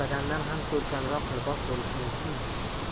badandan ham ko'rkamroq libos bo'lishi mumkinmi